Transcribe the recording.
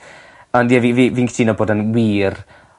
Ond ie fi fi fi'n cytuno bod yn wir